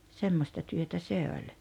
semmoista työtä se oli